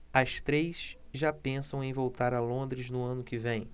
as três já pensam em voltar a londres no ano que vem